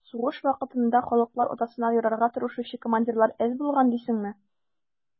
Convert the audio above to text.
Сугыш вакытында «халыклар атасына» ярарга тырышучы командирлар әз булган дисеңме?